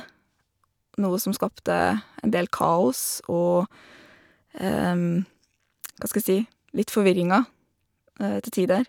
Noe som skapte en del kaos og, hva skal jeg si, litt forvirringer til tider.